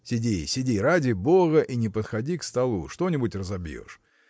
– Сиди, сиди, ради бога, и не подходи к столу: что-нибудь разобьешь.